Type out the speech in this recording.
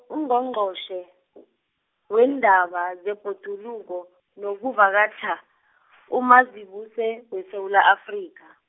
Ungqongqotjhe , weendaba zebhoduluko, nokuvakatjha , uMazibuse, weSewula Afrika.